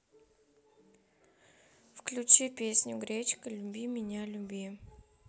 включи песню гречка люби меня люби